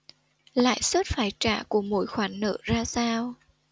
lãi suất phải trả của mỗi khoản nợ ra sao